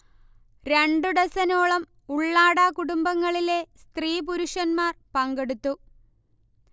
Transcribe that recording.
രണ്ടു ഡസനോളം ഉള്ളാട കുടുംബങ്ങളിലെ സ്ത്രീ-പുരുഷന്മാർ പങ്കെടുത്തു